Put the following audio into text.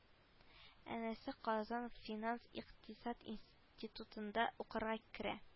Энесе казан финанс-икътисад институтында укырга керә